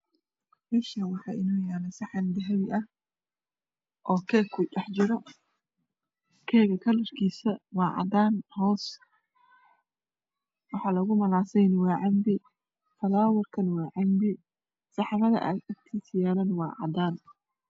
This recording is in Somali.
Meeshaan waxaa inoo yaalo saxan dahabi ah oo keekku dhex jiro keeka kalarkiisa waa cadaan hoos waxa lagu malaasay waa canbe falaawerkana waa canbe saxamada agtiisa yaalana waa cadaan